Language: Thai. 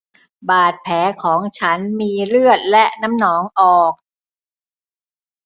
บาดแผลของฉันมีเลือดและน้ำหนองออก